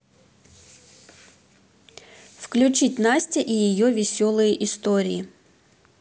включить настя и ее веселые истории